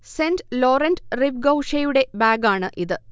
saint Laurent Rive ഗൗഷേയുടെ ബാഗാണ് ഇത്